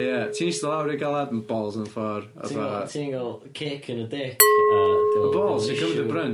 Ie ti'n ista lawr ry galad m' balls yn ffordd a fatha... Ti'n ga'l wt ti'n ga'l kick yn y dick a ... Y balls yn cymryd y brynt.